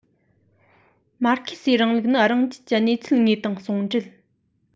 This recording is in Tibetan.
མར ཁེ སིའི རིང ལུགས ནི རང རྒྱལ གྱི གནས ཚུལ དངོས དང ཟུང འབྲེལ